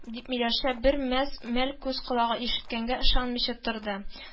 — дип, миләүшә бер мәз мәл күз колагы ишеткәнгә ышанмыйча торды